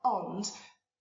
ond